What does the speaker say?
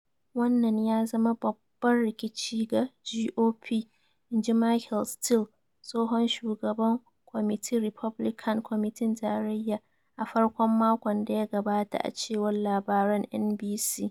"Wannan ya zama babban rikici ga GOP," in ji Michael Steele, tsohon shugaban kwamitin Republican Kwamitin Tarayya, a farkon makon da ya gabata, a cewar Labaran NBC.